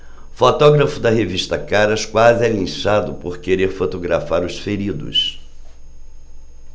fotógrafo da revista caras quase é linchado por querer fotografar os feridos